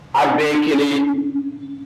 A' bɛɛ ye 1 ye